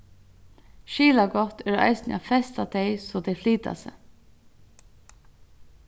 skilagott er eisini at festa tey so tey flyta seg